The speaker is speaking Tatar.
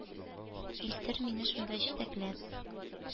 Илтер мине шунда җитәкләп.